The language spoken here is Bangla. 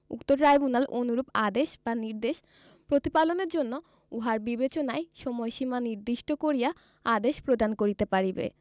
উক্ত ট্রাইব্যুনাল অনুরূপ আদেশ বা নির্দেশ প্রতিপালনের জন্য উহার বিবেচনায় সময়সীমা নির্দিষ্ট করিয়া আদেশ প্রদান করিতে পারিবে